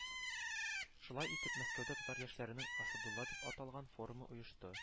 Шулай итеп Мәскәүдә татар яшьләренең «Асадулла» дип аталган форумы оешты